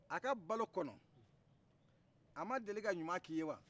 a ka balo kɔnɔ a ma deli ka ɲuman k'i ye wa